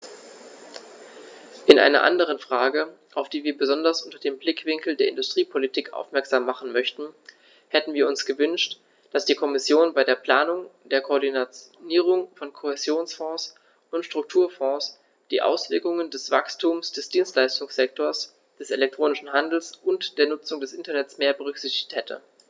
In einer anderen Frage, auf die wir besonders unter dem Blickwinkel der Industriepolitik aufmerksam machen möchten, hätten wir uns gewünscht, dass die Kommission bei der Planung der Koordinierung von Kohäsionsfonds und Strukturfonds die Auswirkungen des Wachstums des Dienstleistungssektors, des elektronischen Handels und der Nutzung des Internets mehr berücksichtigt hätte.